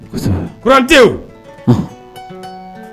Kurante